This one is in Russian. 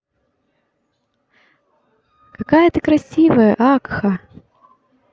какая ты красивая akha